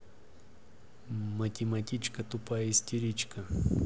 математематичка тупая истеричка